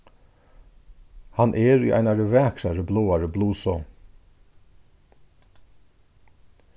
hann er í einari vakrari bláari blusu